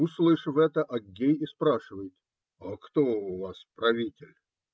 Услышал это Аггей и спрашивает: - А кто у вас правитель?